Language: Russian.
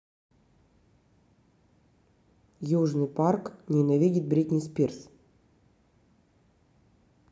южный парк ненавидит бритни спирс